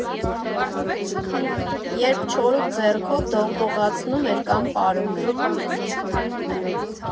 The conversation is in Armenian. Երբ չորուկ ձեռքով դողդողացնում էր կամ պարում էր։